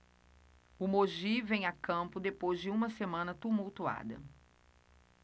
o mogi vem a campo depois de uma semana tumultuada